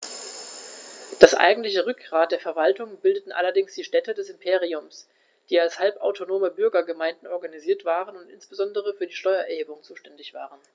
Das eigentliche Rückgrat der Verwaltung bildeten allerdings die Städte des Imperiums, die als halbautonome Bürgergemeinden organisiert waren und insbesondere für die Steuererhebung zuständig waren.